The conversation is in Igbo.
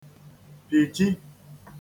pìji